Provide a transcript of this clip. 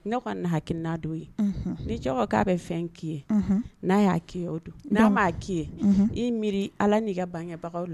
Ne ka hakiina don ye ni k'a bɛ fɛn k'i ye n'a y'a ke o don n'a m'a k'i ye i miiri ala n'i ka bangebagaw la